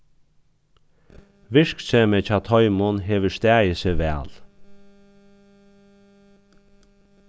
virksemið hjá teimum hevur staðið seg væl